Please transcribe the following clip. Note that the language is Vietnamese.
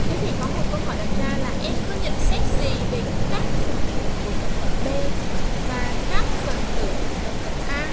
thế thì có một câu hỏi đặt ra là em có nhận xét gì về các phần tử của tập hợp b và các phần tử của tập hợp a